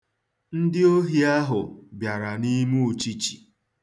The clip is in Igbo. Ndị ohi ahụ bịara n'ime uchichi.